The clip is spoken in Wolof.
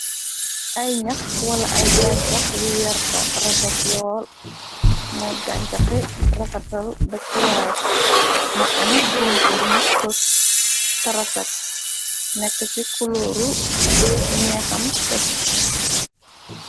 Ay ñyax wala ay ganchax yu werta rafetlool moy gancaxi rafetal dakuwaay mu am tuntur mu fos tarafet nekk ci kulóoru ñeexam sëb.